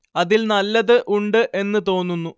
അതിൽ നല്ലത് ഉണ്ട് എന്ന് തോന്നുന്നു